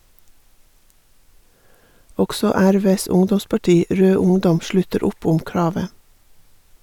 Også RVs ungdomsparti, Rød Ungdom, slutter opp om kravet.